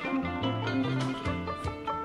San yo